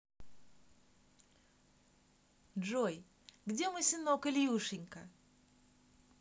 джой где мой сынок илюшенька